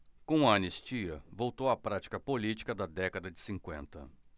com a anistia voltou a prática política da década de cinquenta